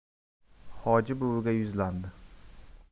hoji buviga yuzlandi